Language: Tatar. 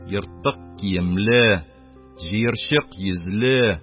Ертык киемле, җыерчык йөзле